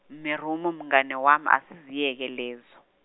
Meromo mngane wam- asiziyeke lezo.